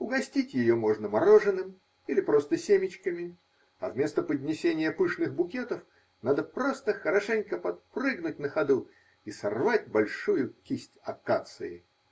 Угостить ее можно мороженым или просто семечками, а вместо поднесения пышных букетов надо просто хорошенько подпрыгнуть на ходу и сорвать большую кисть акации.